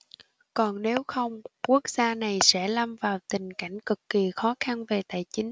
còn nếu không quốc gia này sẽ lâm vào tình cảnh cực kỳ khó khăn về tài chính